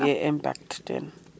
kaga jege impact teen